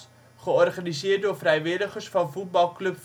georganiseerd door vrijwilligers van Voetbalclub